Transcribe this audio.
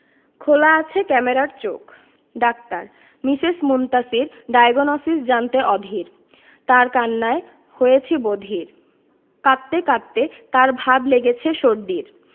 খোলা আছে ক্যামেরার চোখ ডাক্তার মিসেস মুনতাসীর ডায়োগনসিস জানতে অধীর তার কান্নায় হয়েছি বধির কাঁদতে কাঁদতে তার ভাব লেগেছে সর্দির